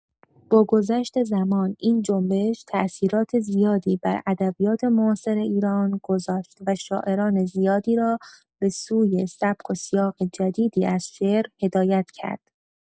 با گذشت زمان، این جنبش تاثیرات زیادی بر ادبیات معاصر ایران گذاشت و شاعران زیادی را به‌سوی سبک و سیاق جدیدی از شعر هدایت کرد.